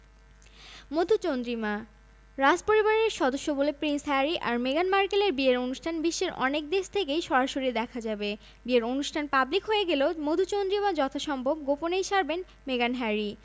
বিয়ের আলোকচিত্রী উইন্ডসর ক্যাসেলে বিয়ের আনুষ্ঠানিকতা হয়ে গেলে জনপ্রিয় আলোকচিত্রী অ্যালেক্সি লুবোমির্সকি প্রিন্স হ্যারি ও মেগান মার্কেলের বিয়ের আনুষ্ঠানিক ছবি তুলবেন